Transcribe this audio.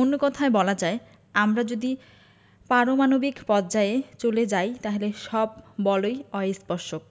অন্য কথায় বলা যায় আমরা যদি পারমাণবিক পর্যায়ে চলে যাই তাহলে সব বলই অস্পর্শক